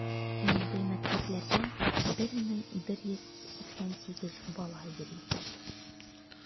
Мондый мәктәпләргә 1188 бала йөри.